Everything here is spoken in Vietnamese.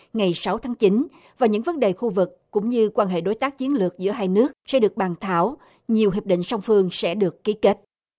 ngày sáu tháng chín và những vấn đề khu vực cũng như quan hệ đối tác chiến lược giữa hai nước sẽ được bàn thảo nhiều hiệp định song phương sẽ được ký kết